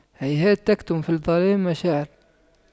هيهات تكتم في الظلام مشاعل